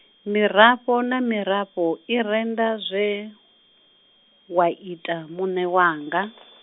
mirafho na mirafho i renda zwe, wa ita, muṋe wanga.